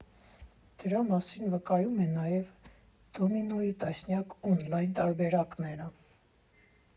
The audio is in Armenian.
Դրա մասին վկայում է նաև դոմինոյի տասնյակ օնլայն տարբերակները։